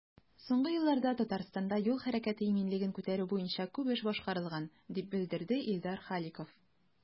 Соңгы елларда Татарстанда юл хәрәкәте иминлеген күтәрү буенча күп эш башкарылган, дип белдерде Илдар Халиков.